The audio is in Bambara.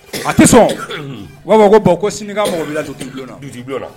A tɛ sɔn, u b'a fɔ o la ko bon ko sini k'a mago b'i la dugutigi bulon na.